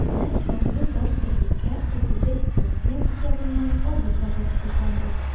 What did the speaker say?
Һәр шартлы баш терлеккә 33 центнер исәбеннән азык запасы тупланды.